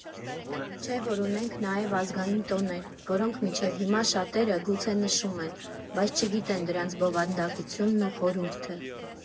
Չէ՞ որ ունենք նաև ազգային տոներ, որոնք մինչև հիմա շատերը գուցե նշում են, բայց չգիտեն դրանց բովանդակությունն ու խորհուրդը։